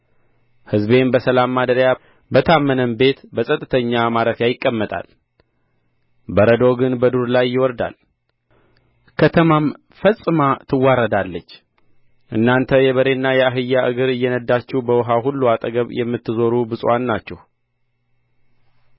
ሕዝቤም በሰላም ማደሪያ በታመነም ቤት በጸጥተኛ ማረፊያ ይቀመጣል በረዶ ግን በዱር ላይ ይወርዳል ከተማም ፈጽማ ትዋረዳለች እናንተ የበሬና የአህያ እግር እየነዳችሁ በውኃ ሁሉ አጠገብ የምትዘሩ ብፁዓን ናችሁ